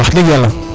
wax deg yala